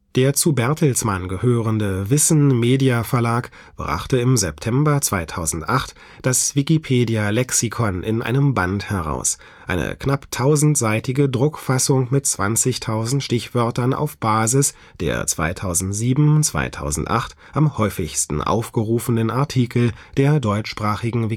Der zu Bertelsmann gehörende Wissen Media Verlag brachte im September 2008 das Wikipedia Lexikon in einem Band heraus, eine knapp 1000-seitige Druckfassung mit 20.000 Stichwörtern auf Basis der 2007/2008 am häufigsten aufgerufenen Artikel der deutschsprachigen